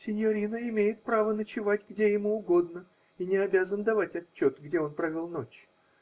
-- Синьорино имеет право ночевать, где ему угодно, и не обязан давать отчет, где он провел ночь.